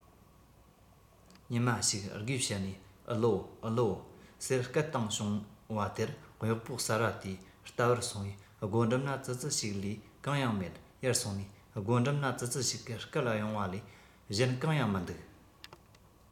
ཉི མ ཞིག སྒོའི ཕྱི ནས ཨུ ལའོ ཨུ ལའོ ཟེར སྐད བཏང བྱུང བ དེར གཡོག པོ གསར པ དེས ལྟ བར སོང བས སྒོ འགྲམ ན ཙི ཙི ཞིག ལས གང ཡང མེད ཡར སོང ནས སྒོ འགྲམ ན ཙི ཙི ཞིག གིས སྐད གཡོང བ ལས གཞན གང ཡང མི འདུག